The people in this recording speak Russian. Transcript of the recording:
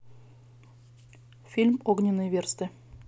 фильм огненные версты